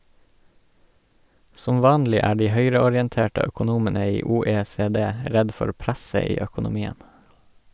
Som vanlig er de høyreorienterte økonomene i OECD redd for «presset» i økonomien.